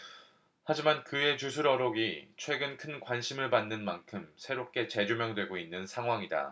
하지만 그의 주술 어록이 최근 큰 관심을 받는 만큼 새롭게 재조명되고 있는 상황이다